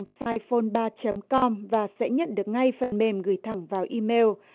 sai phôn ba chấm com và sẽ nhận được ngay phần mềm gửi thẳng vào i mêu